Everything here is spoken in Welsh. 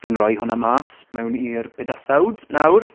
Fi'n roi hwnna mas mewn i'r bydysawd nawr.